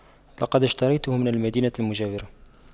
لقد اشتريته من المدينة المجاورة